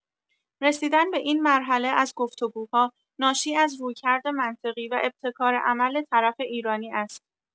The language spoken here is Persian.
رسیدن به این مرحله از گفت‌وگوها، ناشی از رویکرد منطقی و ابتکار عمل طرف ایرانی است.